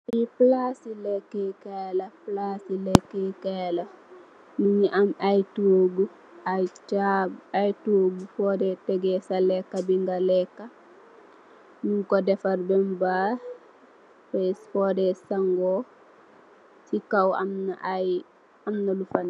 Fii palaasi leekë kaay la, palaasi leekë kaay la, mu ngi ay toogu, foo dë tegee sa leekë bi nga léékë. Ñung ko defar bem baax, foo dë sangoo, si kow am na ay...